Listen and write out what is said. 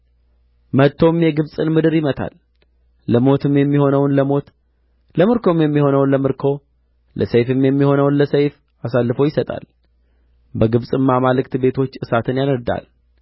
መጥቶም የግብጽን ምድር ይመታል ለሞትም የሚሆነውን ለሞት ለምርኮም የሚሆነውን ለምርኮ ለሰይፍም የሚሆነውን ለሰይፍ አሳልፎ ይሰጣል በግብጽም አማልክት ቤቶች እሳትን ያነድዳል